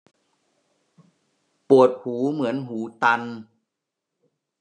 ปวดหูเหมือนหูตัน